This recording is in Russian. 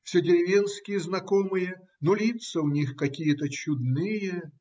всё деревенские знакомые, но лица у них какие-то чудные.